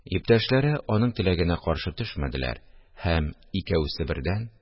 Иптәшләре аның теләгенә каршы төшмәделәр һәм икәүсе бердән: